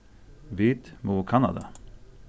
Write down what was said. vit mugu kanna tað